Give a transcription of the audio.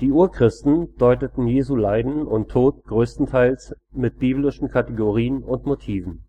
Urchristen deuteten Jesu Leiden und Tod großenteils mit biblischen Kategorien und Motiven